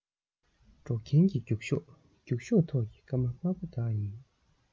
འགྲོགས མཁན ནི རྒྱུགས ཤོག རྒྱུགས ཤོག ཐོག གི སྐར མ དམར པོ དག ཡིན